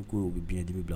U k' u bɛ biɲɛntigibi bila